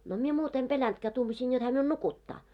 no minä muuta en pelännytkään tuumasin jotta hän minun nukuttaa